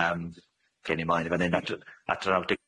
Yym ewn ni mlaen i fan hynna dw- at naw deg